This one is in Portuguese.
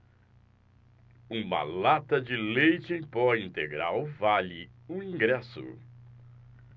uma lata de leite em pó integral vale um ingresso